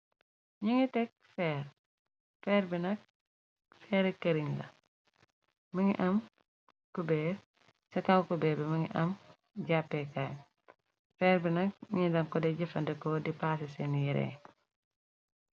Ñi ngi tekk feer feer bi nak feeri kërin la mangi am kubeer ca kaw ku beer bi mëngi am jàppeekaay feer bi nak ñi dam ko de jëfandekoo di paarse seenu yeree.